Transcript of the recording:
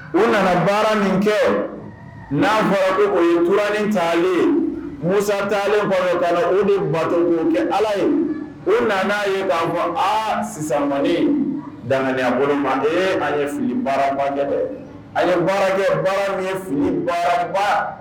U nana baara min kɛ n'a fɔra bɛ o ye kuranin talen musatalen ta o de bato kun kɛ ala ye u nana'a ye' fɔ aa sisan manden dan bolo manden an ye fili baarabakɛ an ye baarakɛ baara ni ye fili baaraba